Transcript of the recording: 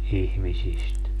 ihmisistä